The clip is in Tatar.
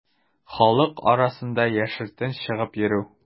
Халык арасына яшертен чыгып йөрү.